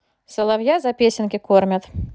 соловья за песенки кормят